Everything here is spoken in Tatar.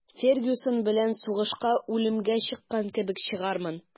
«фергюсон белән сугышка үлемгә чыккан кебек чыгармын»